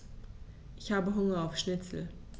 Ich habe Hunger auf Schnitzel.